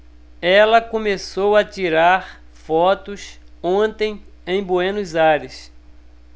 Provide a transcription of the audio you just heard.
ela começou a tirar fotos ontem em buenos aires